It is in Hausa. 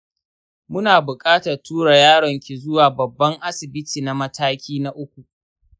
muna buƙatar tura yaron ki zuwa babban asibiti na mataki na uku